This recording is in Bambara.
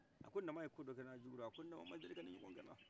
a ko nama ye kodɔ kɛna jugudu nama ma deli ka ɲɔgɔn kɛna